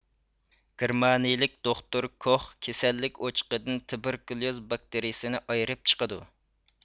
گېرمانىيىلىك دوختۇر كوخ كېسەللىك ئوچىقىدىن تۇبېركۇليۇز باكتىرىيىسىنى ئايرىپ چىقىدۇ